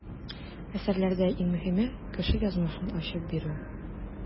Әсәрләрдә иң мөһиме - кеше язмышын ачып бирү.